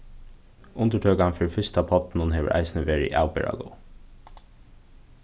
undirtøkan fyri fyrsta poddinum hevur eisini verið avbera góð